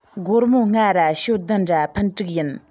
སྒོར མོ ལྔ ར ཞོ བདུན ར ཕུན དྲུག ཡིན